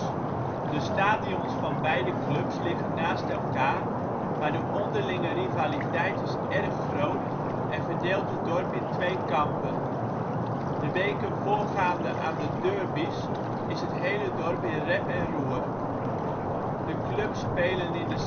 stadions van beide clubs liggen naast elkaar, maar de onderlinge rivaliteit is erg groot en verdeelt het dorp in twee kampen. De weken voorgaande aan de derbys is het hele dorp in rep en roer. De clubs spelen in de